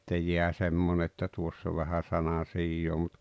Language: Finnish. se jää semmoinen että tuossa on vähän sanansijaa mutta